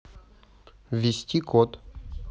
ввести код